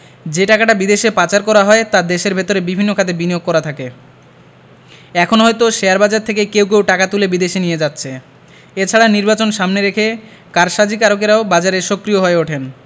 যে টাকাটা বিদেশে পাচার করা হয় তা দেশের ভেতরে বিভিন্ন খাতে বিনিয়োগ করা থাকে এখন হয়তো শেয়ারবাজার থেকে কেউ কেউ টাকা তুলে বিদেশে নিয়ে যাচ্ছে এ ছাড়া নির্বাচন সামনে রেখে কারসাজিকারকেরাও বাজারে সক্রিয় হয়ে ওঠেন